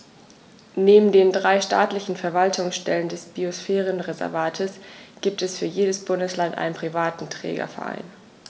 Neben den drei staatlichen Verwaltungsstellen des Biosphärenreservates gibt es für jedes Bundesland einen privaten Trägerverein.